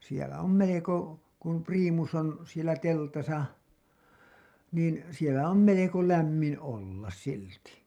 siellä on melko kun priimus on siellä teltassa niin siellä on melko lämmin olla silti